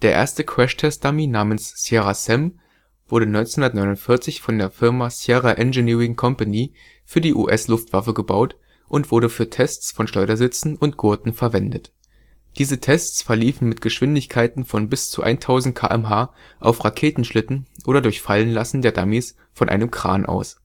erste Crashtest-Dummy namens Sierra Sam wurde 1949 von der Firma Sierra Engineering Co. für die US-Luftwaffe gebaut und wurde für Tests von Schleudersitzen und Gurten verwendet. Diese Tests verliefen mit Geschwindigkeiten von bis zu 1000 km/h auf Raketenschlitten oder durch Fallenlassen der Dummies von einem Kran aus